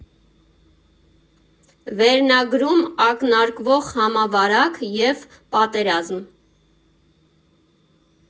Վերնագրում ակնարկվող համավարակ և պատերազմ։